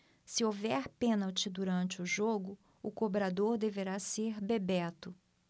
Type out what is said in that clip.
se houver pênalti durante o jogo o cobrador deverá ser bebeto